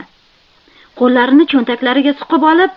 qo'llarini cho'ntaklariga suqib olib